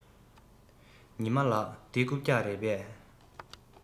ཉི མ ལགས འདི རྐུབ བཀྱག རེད པས